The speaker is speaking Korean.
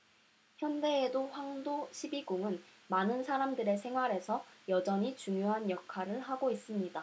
현대에도 황도 십이궁은 많은 사람들의 생활에서 여전히 중요한 역할을 하고 있습니다